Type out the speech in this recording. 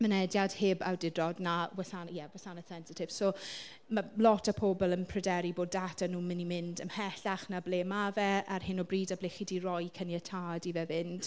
Mynediad heb awdurdod na wasana- ie wasanaeth sensitif. So ma' lot o pobl yn pryderu bod data nhw'n mynd i mynd ymhellach na ble ma' fe ar hyn o bryd a ble chi 'di roi caniatad i fe fynd.